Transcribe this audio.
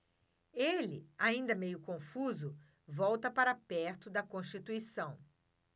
ele ainda meio confuso volta para perto de constituição